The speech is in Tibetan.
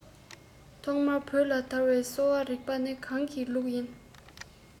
ཐོག མར བོད ལ དར བའི གསོ བ རིག པ ནི གང གི ལུགས ཡིན